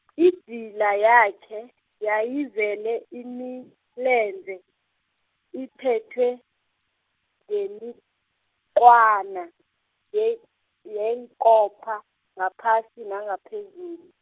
idzila yakhe, yayizele imilenze, iphethwe, ngemiqwana, ye- yekopha, ngaphasi nangaphezulu.